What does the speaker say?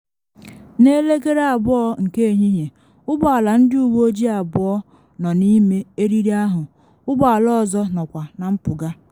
Na elekere 2 nke ehihie ụgbọ ala ndị uwe ojii abụọ nọ n’ime eriri ahụ ụgbọ ala ọzọ nọkwa na mpụga.